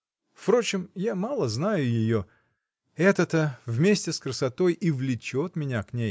Впрочем, я мало знаю ее: это-то, вместе с красотой, и влечет меня к ней.